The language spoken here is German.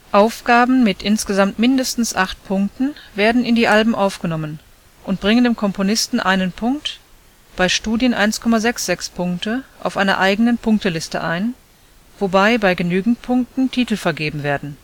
Aufgaben mit insgesamt mindestens acht Punkten werden in die Alben aufgenommen und bringen dem Komponisten einen Punkt, bei Studien 1,66 Punkte, auf einer eigenen Punkteliste ein, wobei bei genügend Punkten Titel vergeben werden